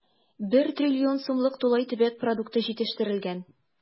1 трлн сумлык тулай төбәк продукты җитештерелгән.